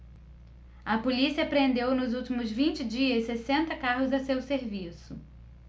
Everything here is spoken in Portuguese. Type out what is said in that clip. a polícia apreendeu nos últimos vinte dias sessenta carros a seu serviço